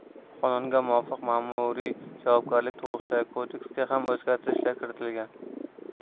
qonunga muvofiq ma'muriy javobgarlik to'g'risidagi kodeksga ham o'zgartishlar kiritilgan